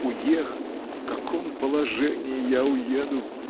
уехать — в каком положении я уеду!